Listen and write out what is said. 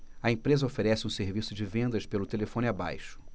a empresa oferece um serviço de vendas pelo telefone abaixo